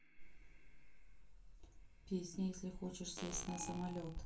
песня если хочешь сесть на самолет